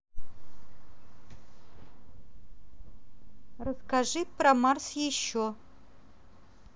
расскажи про марс еще